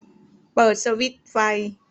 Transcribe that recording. เปิดสวิตช์ไฟ